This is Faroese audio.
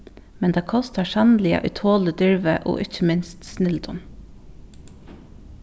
men tað kostar sanniliga í toli dirvi og ikki minst snildum